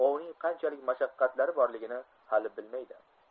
ovning qanchalik mashaqqatlari borligini hali bilmaydi